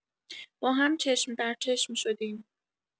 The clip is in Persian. با هم چشم در چشم شدیم.